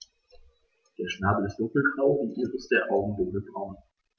Der Schnabel ist dunkelgrau, die Iris der Augen dunkelbraun.